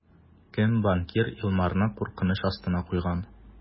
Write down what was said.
Кем банкир Илмарны куркыныч астына куйган?